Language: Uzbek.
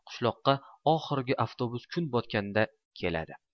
qishloqqa oxirgi avtobus kun botganda keladi